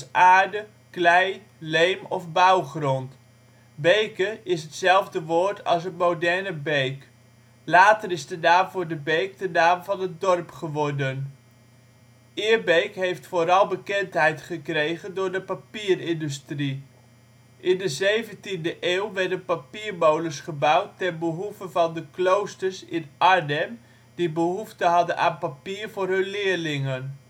aarde, klei, leem of bouwgrond. " Beke " is hetzelfde woord als het moderne beek. Later is de naam voor de beek de naam van het dorp geworden. Eerbeek heeft vooral bekendheid gekregen door de papierindustrie. In de 17e eeuw werden papiermolens gebouwd, ten behoeve van de kloosters in Arnhem die behoefte hadden aan papier voor hun leerlingen